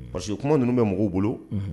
Parce que kuma ninnu bɛ mɔgɔw bolo